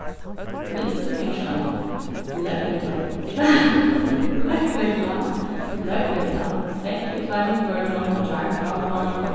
vilst í mjørkanum løgreglan fekk í tveimum førum í gjár fráboðanir um